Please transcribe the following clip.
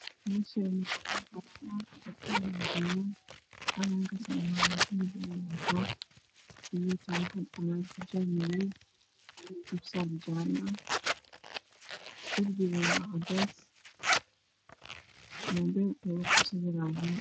Meesha na macmiilbadan ayaa jooga oo gabdha ah